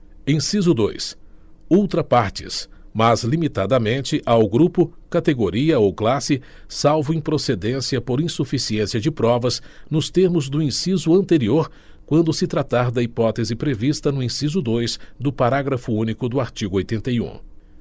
inciso dois ultra partes mas limitadamente ao grupo categoria ou classe salvo improcedência por insuficiência de provas nos termos do inciso anterior quando se tratar da hipótese prevista no inciso dois do parágrafo único do artigo oitenta e um